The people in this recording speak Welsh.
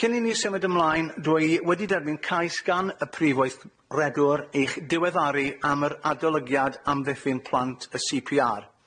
Cyn i ni symud ymlaen, dwi wedi derbyn cais gan y Prif Weithredwr i'ch diweddaru am yr adolygiad amddiffyn plant y See Pee Are.